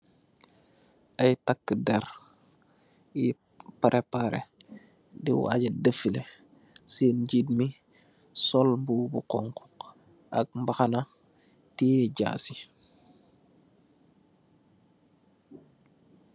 Ay takii der yui parepareh di wajjal defeleh. Sèèn ngit mi sol mbubu mu xonxu, sol mbàxna tiyèh jààsi